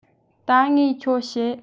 ད ངས ཁྱོད བཤད